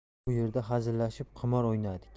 u yerda hazillashib qimor o'ynadik